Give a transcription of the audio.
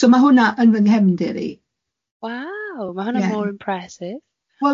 So ma' hwnna yn fy nghefndir i. Waw. Ma' hwnna mor impressive.